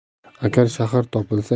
agar shahar topilsa